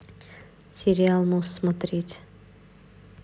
сериал мост смотреть